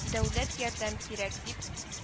Дәүләт ярдәм кирәк - дип